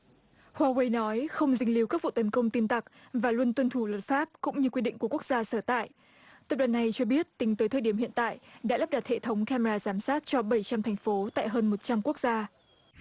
hô guây nói không dính líu các vụ tấn công tin tặc và luôn tuân thủ luật pháp cũng như quy định của quốc gia sở tại tập đoàn này cho biết tính tới thời điểm hiện tại đã lắp đặt hệ thống cam mê ra giám sát cho bảy trăm thành phố tại hơn một trăm quốc gia